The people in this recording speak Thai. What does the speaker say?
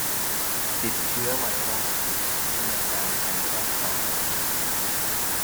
ติดเชื้อไวรัสมีอาการไอแทรกซ้อน